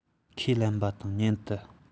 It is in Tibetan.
ཁོས ལེན པ དང མཉམ དུ